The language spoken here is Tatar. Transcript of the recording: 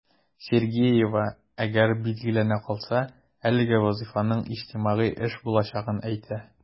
Сергеева, әгәр билгеләнә калса, әлеге вазыйфаның иҗтимагый эш булачагын әйтә.